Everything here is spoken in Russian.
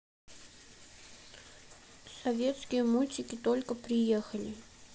советские мультики только приехали